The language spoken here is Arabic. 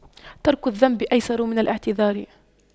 ترك الذنب أيسر من الاعتذار